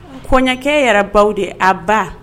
Kɔɲɔkɛ yɛrɛ baw de ye a ba